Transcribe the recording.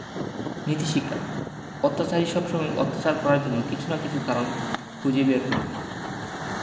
নীতিশিক্ষা অত্যাচারী সবসময় অত্যাচার করার জন্য কিছু না কিছু কারণ খুঁজে বার করে ফেলে